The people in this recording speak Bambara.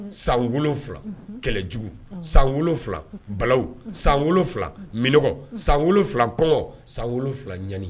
Sanfila kɛlɛjugu san wolonwula bala san wolonwula minɛnɔgɔ san wolonwula kɔn san wolonwula ɲ